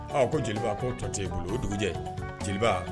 Aa ko jeliba ko tɔ t tɛe bolo o dugujɛ jeliba